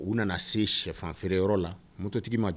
U nana se shɛfan feere yɔrɔ la mutigi ma